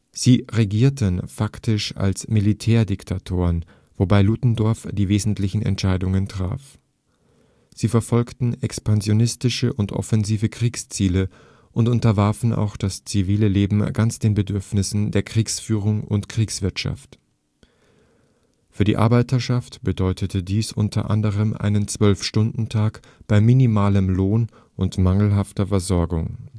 Sie regierten faktisch als Militärdiktatoren, wobei Ludendorff die wesentlichen Entscheidungen traf. Sie verfolgten expansionistische und offensive Kriegsziele und unterwarfen auch das zivile Leben ganz den Bedürfnissen der Kriegsführung und - wirtschaft. Für die Arbeiterschaft bedeutete dies unter anderem einen Zwölf-Stunden-Tag bei minimalem Lohn und mangelhafter Versorgung